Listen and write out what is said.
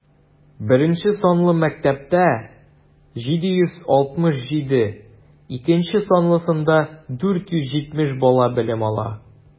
Беренче санлы мәктәптә - 767, икенче санлысында 470 бала белем ала.